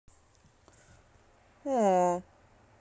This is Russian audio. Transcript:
оо